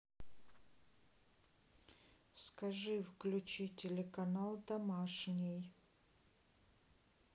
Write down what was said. скажи включи телеканал домашний